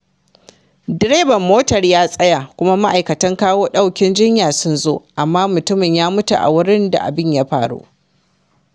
Direban motar ya tsaya kuma ma’aikatan kawo ɗaukin jinya sun zo, amma mutumin ya mutu a wurin da abin ya faru.